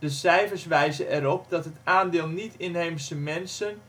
cijfers wijzen erop dat het aandeel niet-inheemse mensen